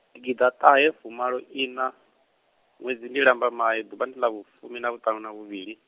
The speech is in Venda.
gidiḓaṱahefumaloiṋa, ṅwedzi ndi Lambamai ḓuvha ndi ḽavhufumi na vhuṱaṋu vhuvhili.